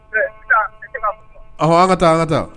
A an ka taa an ka taa